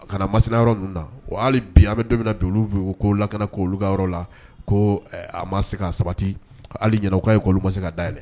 A kana masigi yɔrɔ ninnu na bi a bɛ don don bɛ u k'o lak k'olu ka yɔrɔ la ko a ma se ka sabati hali ɲɛna'a ye'olu ma se ka dayɛlɛn